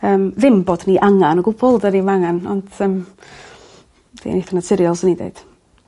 Yym ddim bod ni angan o gwbwl 'dan ni'm angan ont yym. Mae'n eitha naturiol swn i'n deud.